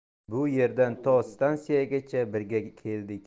bu yerdan to stansiyagacha birga keldik